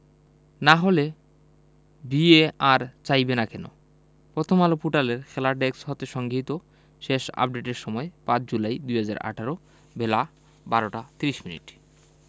না হলে ভিএআর চাইবে না কেন পথমআলো পোর্টালের খেলা ডেস্ক হতে সংগিহীত শেষ আপডেটের সময় ৫ জুলাই ২০১৮ বেলা ১২টা ৩০মিনিট